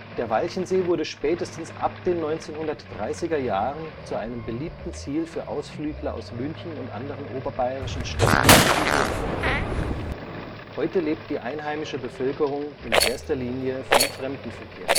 Der Walchensee wurde spätestens ab den 1930er Jahren zu einem beliebten Ziel für Ausflügler aus München und anderen oberbayerischen Städten sowie Urlaubern. Heute lebt die einheimische Bevölkerung in erster Linie vom Fremdenverkehr